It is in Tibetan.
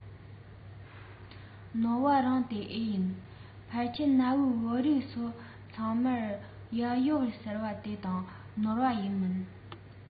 ནོར བ རང ད ཨེ ཡིན ཕལ ཆེར གནའ བོའི བོད རིགས ཡོད ས ཚང མར གཡག ཡོད རེད ཟེར བ དེ དང ནོར བ མིན འགྲོ